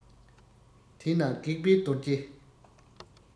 དེས ན སྒེག པའི རྡོ རྗེ